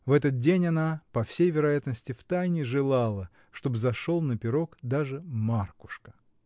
В этот день она, по всей вероятности, втайне желала, чтобы зашел на пирог даже Маркушка.